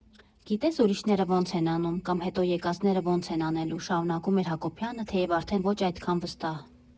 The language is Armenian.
Գիտես ուրիշները ո՞նց են անում, կամ հետո եկածները ո՞նց են անելու, ֊ շարունակում էր Հակոբյանը, թեև արդեն ոչ այդքան վստահ։